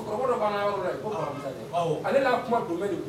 Ka banna yɔrɔ ale'a kuma don